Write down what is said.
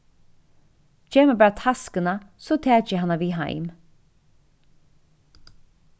gev mær bara taskuna so taki eg hana við heim